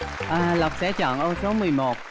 a lộc sẽ chọn con số mười một